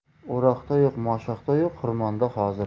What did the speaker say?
o'roqda yo'q mashoqda yo'q xirmonda hozir